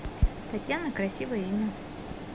татьяна красивое имя